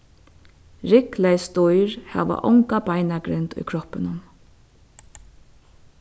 ryggleys dýr hava onga beinagrind í kroppinum